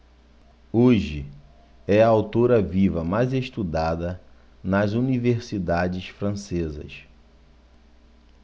hoje é a autora viva mais estudada nas universidades francesas